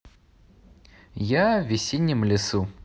я в весеннем лесу